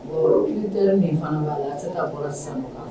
Bon taara min fana b'a la se ka sisan